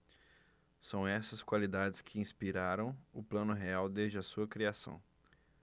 são essas qualidades que inspiraram o plano real desde a sua criação